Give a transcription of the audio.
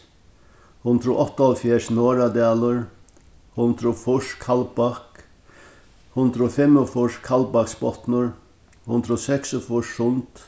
hundrað og áttaoghálvfjerðs norðradalur hundrað og fýrs kaldbak hundrað og fimmogfýrs kaldbaksbotnur hundrað og seksogfýrs sund